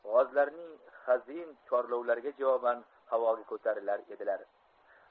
g'ozlarning hazin chorlovlariga javoban havoga ko'tarilar edilar